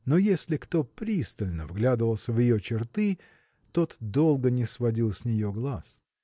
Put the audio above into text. Но если кто пристально вглядывался в ее черты тот долго не сводил с нее глаз.